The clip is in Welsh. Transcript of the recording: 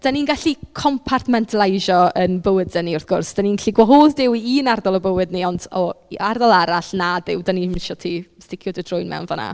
Dan ni'n gallu compartmentaleisio ein bywydau ni wrth gwrs. Dan ni'n gallu gwahodd Duw i un ardal o bywyd ni, ond o i ardal arall, "na Duw dan ni ddim isio ti sticio dy drwyn mewn fan'na."